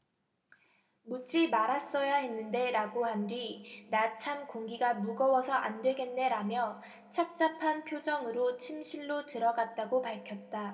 묻지 말았어야 했는데 라고 한 뒤 나 참 공기가 무거워서 안 되겠네라며 착잡한 표정으로 침실로 들어갔다고 밝혔다